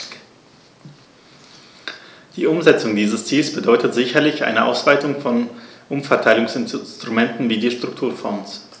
Die Umsetzung dieses Ziels bedeutet sicherlich eine Ausweitung von Umverteilungsinstrumenten wie die Strukturfonds.